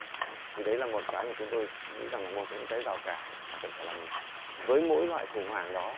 thì đấy là một cái một chúng tôi nghĩ rằng là một cái rào cản mà cần phải làm với mỗi loại khủng hoảng đó